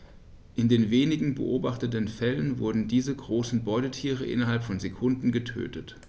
In den wenigen beobachteten Fällen wurden diese großen Beutetiere innerhalb von Sekunden getötet.